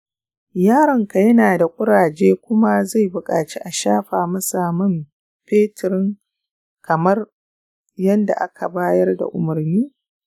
yaronku yana da ƙurarraje kuma zai buƙaci a shafa masa man permethrin kamar yadda aka bayar da umarni.